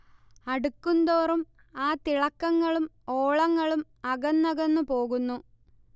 അടുക്കുംതോറും ആ തിളക്കങ്ങളും ഓളങ്ങളും അകന്നകന്നു പോകുന്നു